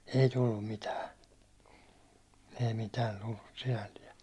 ei tullut mitään ei mitään tullut sinällään